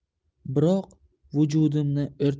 biroq vujudimni o'rtagan